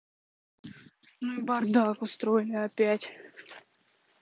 ну и бардак устроили опять